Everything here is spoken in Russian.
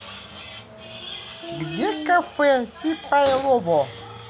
где кафе сипайлово